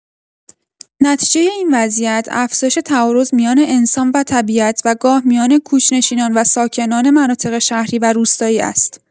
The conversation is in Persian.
نتیجه این وضعیت، افزایش تعارض میان انسان و طبیعت و گاه میان کوچ‌نشینان و ساکنان مناطق شهری و روستایی است.